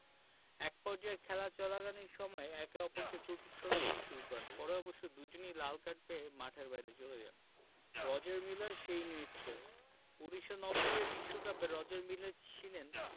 একপর্যায়ে খেলা চলাকালীন সময়েই একে অপরকে থুতু ছোড়াছুড়ি শুরু করেন পরে অবশ্য দুজনই লাল কার্ড পেয়ে মাঠের বাইরে চলে যান রজার মিলার সেই নৃত্য ১৯৯০ এর বিশ্বকাপে রজার মিলা ছিলেন